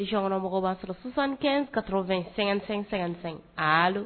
Yɔnkɔnɔmɔgɔ b'a sɔrɔ sisansan ka2-fɛnsɛfɛn